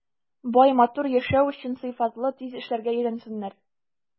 Бай, матур яшәү өчен сыйфатлы, тиз эшләргә өйрәнсеннәр.